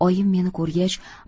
oyim meni ko'rgach